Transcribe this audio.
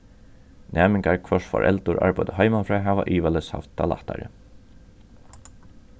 næmingar hvørs foreldur arbeiddu heimanífrá hava ivaleyst havt tað lættari